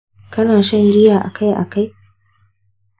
kana shan giya akai-akai?